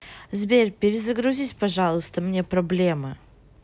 сбер перезагрузись пожалуйста мне проблемы